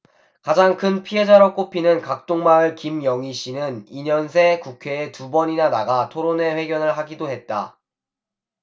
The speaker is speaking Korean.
가장 큰 피해자로 꼽히는 각동마을 김영희씨는 이 년 새 국회에 두 번이나 나가 토론회 회견을 하기도 했다